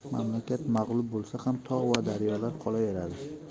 mamlakat mag'lub bo'lsa ham tog' va daryolar qolaveradi